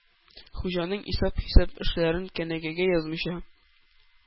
Хуҗаның исәп-хисап эшләрен кенәгәгә язмыйча,